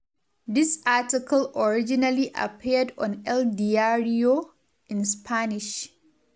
This article originally appeared on El Diario, in Spanish.